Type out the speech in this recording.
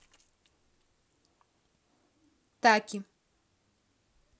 таки